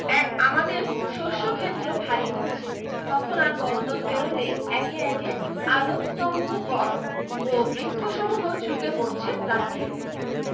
এক আমাদের শষ্যক্ষেত্র ভারী হচ্ছে তখন আর বন্দর পেরোলেই একে একে আলোকস্তম্ভ পথ ও বৃক্ষসমূহ ঝুঁকে পড়ছে রাত্তিরে